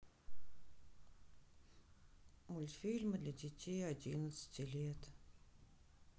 мультфильмы для детей одиннадцать лет